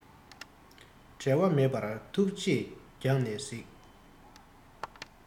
འབྲལ བ མེད པར ཐུགས རྗེས རྒྱང ནས གཟིགས